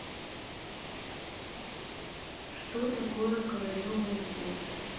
что такое королевой ответ